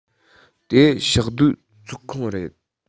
དེ ཕྱོགས བསྡུས ཚོགས ཁང རེད